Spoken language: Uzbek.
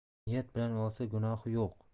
niyat bilan olsa gunohi yo'q